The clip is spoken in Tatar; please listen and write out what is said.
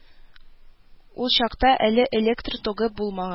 Ул чакта әле электр тогы булмаган